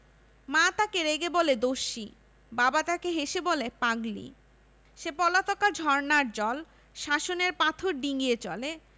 মা তাকে রেগে বলে দস্যি বাপ তাকে হেসে বলে পাগলি সে পলাতকা ঝরনার জল শাসনের পাথর ডিঙ্গিয়ে চলে